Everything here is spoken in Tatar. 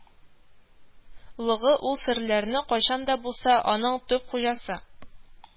Лыгы ул серләрне кайчан да булса аның төп хуҗасы –